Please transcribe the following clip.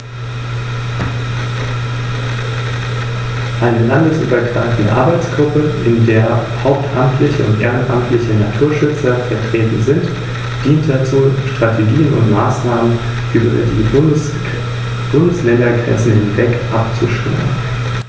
Auffallend ist neben der für Adler typischen starken Fingerung der Handschwingen der relativ lange, nur leicht gerundete Schwanz.